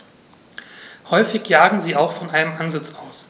Häufig jagen sie auch von einem Ansitz aus.